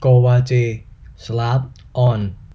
โกวาจีสลาฟออน